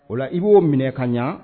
O la i b'o minɛ ka ɲɛ